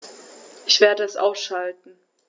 Ich werde es ausschalten